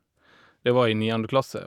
Det var i niendeklasse.